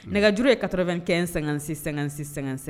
Nɛgɛjuru ye 95 56 56 57